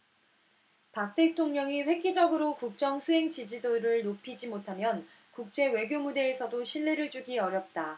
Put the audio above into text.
박 대통령이 획기적으로 국정수행지지도를 높이지 못하면 국제 외교 무대에서도 신뢰를 주기 어렵다